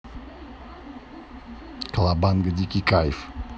колобанга дикий кайф